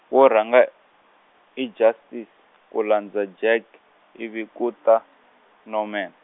wo rhanga, i Justice ku landza Jack, ivi ku ta, Norman.